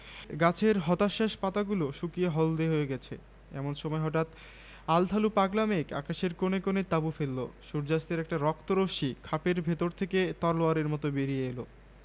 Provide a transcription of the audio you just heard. গাছের হতাশ্বাস পাতাগুলো শুকিয়ে হলদে হয়ে গেছে এমন সময় হঠাৎ আলুথালু পাগলা মেঘ আকাশের কোণে কোণে তাঁবু ফেললো সূর্য্যাস্তের একটা রক্ত রশ্মি খাপের ভেতর থেকে তলোয়ারের মত বেরিয়ে এল